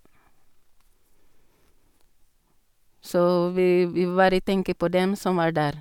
Så vi vi bare tenker på dem som er der.